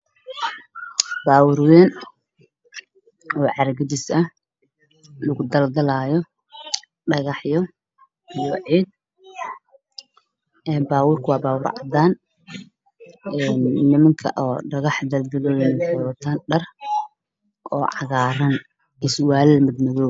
Waa baabuur carro gadis ah oo lugu daldalaayo dhagax iyo ciid, midabkiisu waa cadaan, nimanka dhagax da daldalaayo waxay wataan dhar cagaaran iyo surwaalo madow.